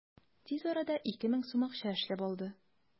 Тиз арада 2000 сум акча эшләп алды.